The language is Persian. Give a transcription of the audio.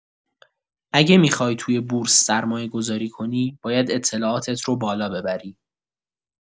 اگه می‌خوای توی بورس سرمایه‌گذاری کنی، باید اطلاعاتت رو بالا ببری.